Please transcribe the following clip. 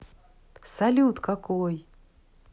салют какой